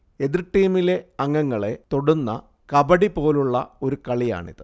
എതിർ ടീമിലെ അംഗങ്ങളെ തൊടുന്ന കബഡിപോലുള്ള ഒരു കളിയാണിത്